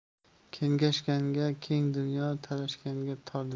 kengashganga keng dunyo talashganga tor dunyo